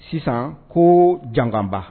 Sisan ko jangaba